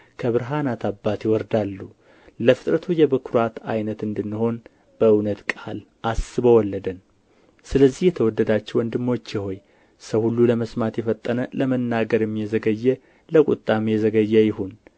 ከብርሃናት አባት ይወርዳሉ ለፍጥረቱ የበኵራት ዓይነት እንድንሆን በእውነት ቃል አስቦ ወለደን ስለዚህ የተወደዳችሁ ወንድሞቼ ሆይ ሰው ሁሉ ለመስማት የፈጠነ ለመናገርም የዘገየ ለቍጣም የዘገየ ይሁን